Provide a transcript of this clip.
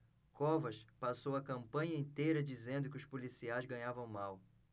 covas passou a campanha inteira dizendo que os policiais ganhavam mal